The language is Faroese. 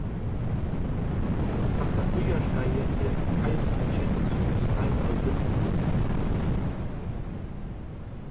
hatta tíðarskeiðið er eisini kent sum steinøldin